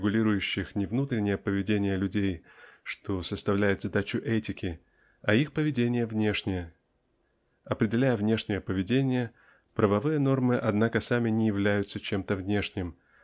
регулирующих не внутреннее поведение людей что составляет задачу этики а их поведение внешнее. Определяя внешнее поведение правовые нормы однако сами не являются чем то внешним